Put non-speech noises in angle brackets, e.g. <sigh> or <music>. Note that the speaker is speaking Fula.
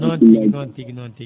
<noise> noon tigi noon tigi